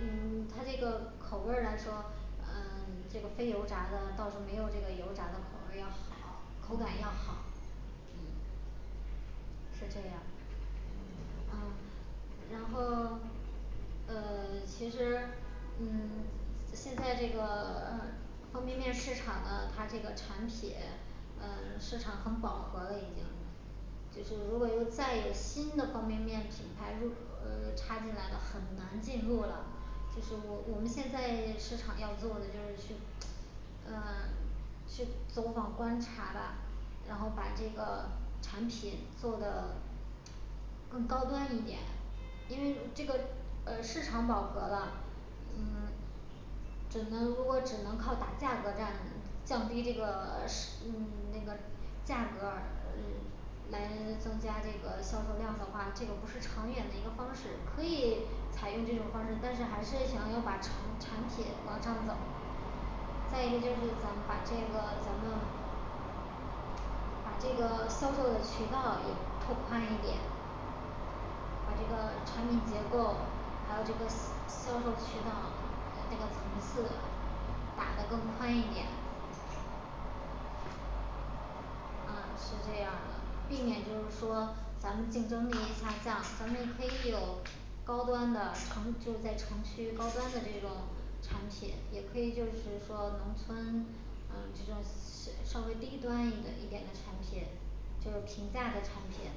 嗯嗯它这个口味儿来说嗯这个非油炸的倒是没有这个油炸的口味要好，口感要嗯好嗯是这样嗯啊然后呃其实嗯现在这个呃方便面市场呢它这个产品嗯市场很饱和了已经就是如果有再有新的方便面品牌入呃插进来的，很难进入了。就是我我们现在市场要做的就是去呃 去走访观察吧然后把这个产品做的更高端一点，因为这个呃市场饱和了嗯只能如果只能靠打价格战降低这个是市嗯那个价格儿呃来增加这个销售量的话这个不是长远的一个方式，可以采用这种方式，但是还是想要把厂产品往上走再一个就是咱把这个咱们把这个销售的渠道也拓宽一点把这个产品结构，还有这个销销售渠道，这个层次打得更宽一点呃是这样儿的，避免就是说咱们竞争力下降咱们也可以高端的城就是在城区高端的这种产品，也可以就是说农村呃这种稍稍微低端一点一点的产品就是平价的产品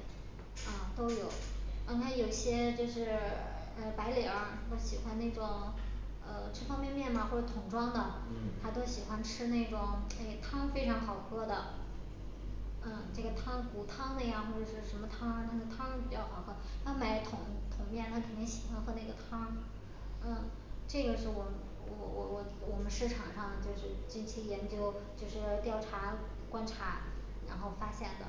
哦都有咱们有一些就是呃白领儿都喜欢那种呃吃方便面嘛或者桶装的，他嗯都喜欢吃那种诶汤非常好喝的呃这个汤骨汤的呀或者是什么汤儿它的汤儿比较好喝，他买桶桶面他肯定喜欢喝那个汤儿呃这个是我我我我我们市场上就是近期研究就是要调查观察然后发现的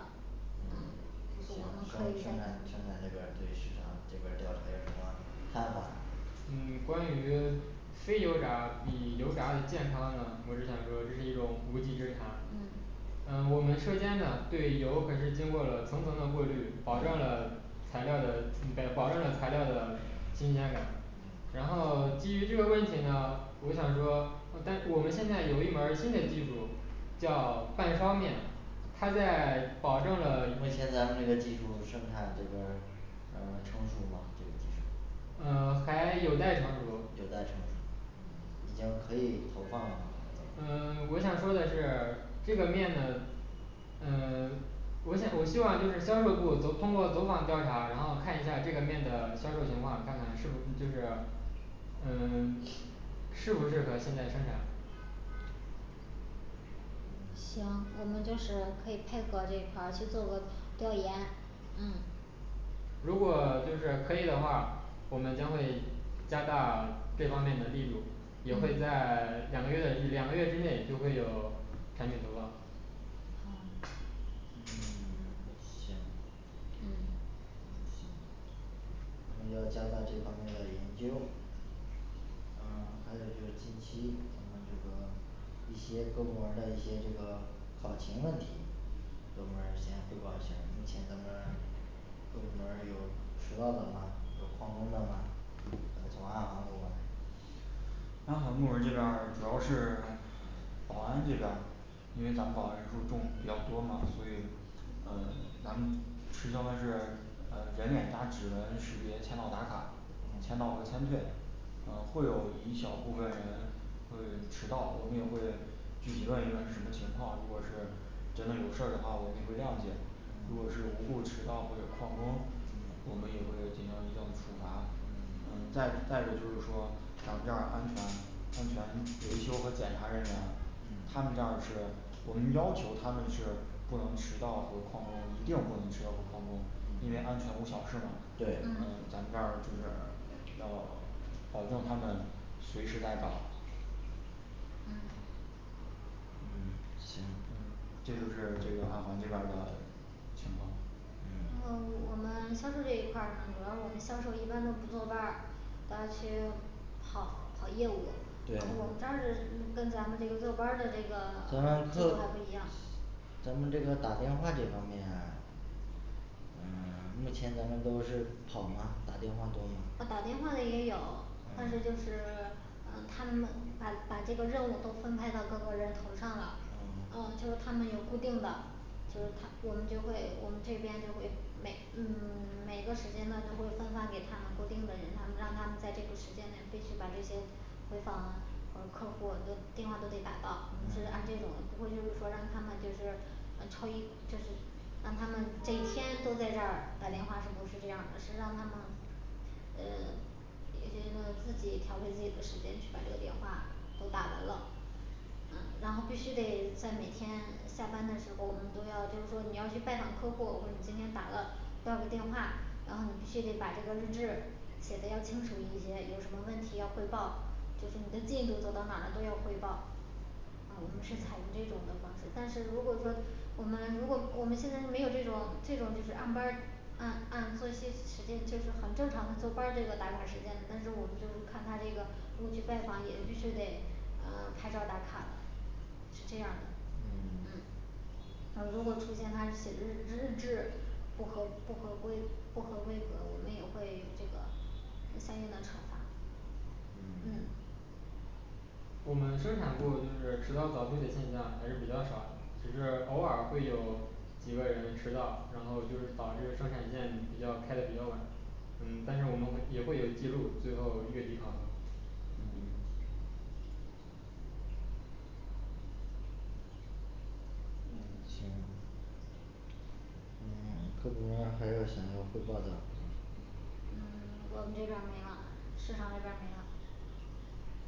嗯嗯就行是我们生可以生在产生产这边儿对市场这边儿调查有什么看法儿嗯关于非油炸比油炸的健康呢，我只想说这是一种无稽之谈嗯嗯我们车间呢对油可是经过了层层的过滤，保证了嗯材料儿的保证了材料儿的新鲜感嗯然后基于这个问题呢我想说，但我们现在有一门儿新的技术叫半烧面它在保证了目前咱们这个技术生产这边儿呃成熟吗这个技术呃还有待成熟有待成熟已经可以投放了吗怎么嗯我想说的是这个面呢嗯 我想我希望就是销售部能通过走访调查然后看一下这个面的销售情况，看看是不是就是呃适不适合现在生产行，我们就是可以配合这一块儿去做个调研嗯如果就是可以的话，我们将会加大这方面的力度也会嗯在两个月的两个月之内就会有产品投放好嗯 行嗯 嗯行还要加大这方面的研究呃还有就是近期咱们这个一些各部门儿的一些这个考勤问题各部门儿先汇报一下儿，目前咱们各部门儿有迟到的吗有旷工的吗从安环部门儿安环部门儿这边儿主要是保安这边儿，因为咱们保安人数儿中比较多嘛所以呃咱们实行的是呃人脸加指纹识别签到打卡签到和签退呃会有一小部分人会迟到，我们也会具体问一问是什么情况如果是真的有事儿的话我们也会谅解如果嗯是无故迟到或者旷工，我嗯们也会进行一定的处罚嗯嗯再再一个就是说咱们这儿安全安全维修和检查人员他们这嗯儿是我们要求他们是不能迟到和旷工一定不能迟到和旷工，因为安全嗯无小事嘛呃对咱们这嗯儿就是要保证他们随时在岗嗯嗯嗯行这就是这个安环这边儿的情况嗯然后我们销售这一块儿呢，主要我们销售一般都不坐班儿，都要去跑跑业务然后对我们这儿的跟咱们这个坐班儿的这个咱呃们制度客还不一样咱们这个打电话这方面嗯目前咱们都是跑吗打电话多嗯吗打电话的也有但是就嗯是呃他们把把这个任务都分派到各个人头儿上了，嗯呃就是他们有固定的就是他我们就会我们这边就会每嗯 每个时间段就会分发给他们固定的人让他们在这个时间内必须把这些回访啊或者客户都电话都得打到，我们是按这种嗯，不会就是说让他们就是超一就是让他们这一天都在这儿打电话，是不是这样儿的？是让他们呃也是自己调配自己的时间去把这个电话都打完了然后必须得在每天下班的时候，我们都要就是说你要去拜访客户，或者你今天打了多少个电话然后你必须得把这个日志写的要清楚一些，有什么问题要汇报就是你的进度都到哪儿了都要汇报哦我们是采用这种的方式但是如果说我们如果呃我们现在是没有这种这种就是按班儿按按按作息时间就是很正常的坐班儿这个打卡时间的，但是我们就是看他这个如果去拜访也必须得呃 拍照儿打卡了是这样儿的嗯嗯嗯如果出现他写的日日志不合不合规不合规格儿，我们也会这个嗯相应的惩罚嗯嗯我们生产部儿就是迟到早退的现象还是比较少的只是偶尔会有几个人迟到，然后就是导致生产线比较开的比较晚嗯但是我们会也会有记录最后月底考核嗯嗯行呃 各部门儿还有想要汇报的吗嗯 我们这边儿没了，市场这边儿没了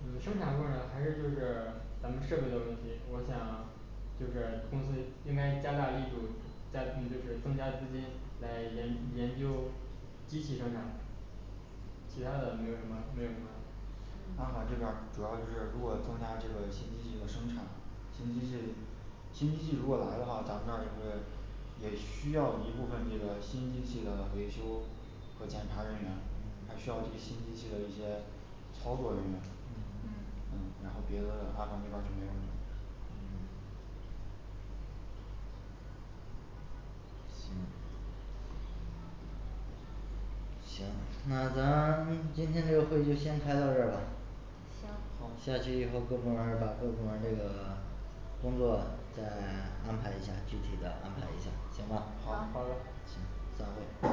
嗯生产部儿呢还是就是咱们设备的问题，我想就是公司应该加大力度，加就是增加资金来研研究机器专家其他的没有什么没有什么安环嗯这边儿主要是如果增加这个新机器的生产新机器新机器如果来的话，咱们这儿也会也需要一部分这个新机器的维修和检查人员，还需要对嗯新机器的一些操作人员嗯嗯嗯，然后别的安环这边儿就没有了行行，那咱今天这个会就先开到这儿吧行好下去以后各部门儿把各部门儿这个工作再安排一下，具体的安排一下，行吧好好的行散会